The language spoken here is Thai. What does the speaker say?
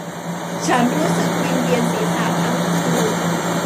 ฉันรู้สึกวิงเวียนศีรษะทั้งคืน